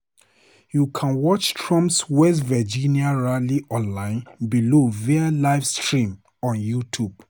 You can watch Trump's West Virginia rally online below via live stream on YouTube.